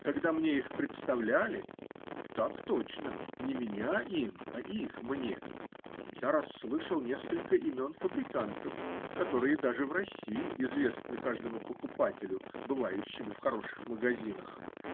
Когда мне их представляли (так точно: не меня им, а их мне), я расслышал несколько имен фабрикантов, которые даже в России известны каждому покупателю, бывающему в хороших магазинах.